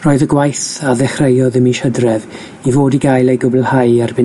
Roedd y gwaith a ddechreuodd ym mis Hydref i fod i gael ei gwblhau erbyn